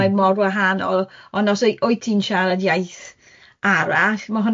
Mae'n mor wahanol, ond os wy- wyt ti'n siarad iaith arall, ma' hwnna